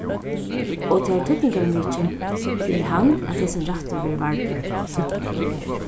og tað er týdningarmikið fyri hann at hesin rættur verður vardur